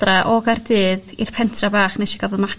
adra o Gaerdydd i'r pentra fach neshi gal fy